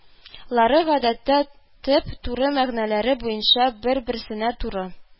Лары гадәттә төп, туры мәгънәләре буенча бер-берсенә туры